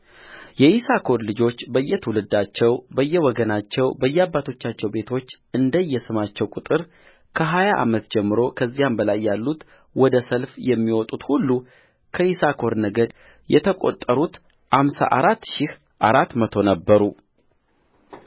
የይሳኮር ልጆች በየትውልዳቸው በየወገናቸው በየአባቶቻቸው ቤቶች እንደየስማቸው ቍጥር ከሀያ ዓመት ጀምሮ ከዚያም በላይ ያሉት ወደ ሰልፍ የሚወጡት ሁሉከይሳኮር ነገድ የተቈጠሩት አምሳ አራት ሺህ አራት መቶ ነበሩ